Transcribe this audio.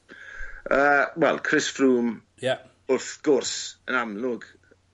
Yy wel Chris Froome... Ie. ...wrth gwrs. Yn amlwg